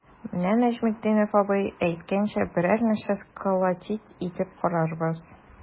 Менә Нәҗметдинов абый әйткәнчә, берәр нәрсә сколотить итеп карарбыз.